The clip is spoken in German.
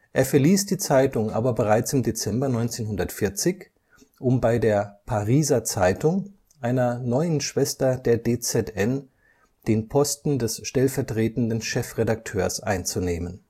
Er verließ die Zeitung aber bereits im Dezember 1940, um bei der Pariser Zeitung, einer neuen Schwester der DZN, den Posten des stellvertretenden Chefredakteurs einzunehmen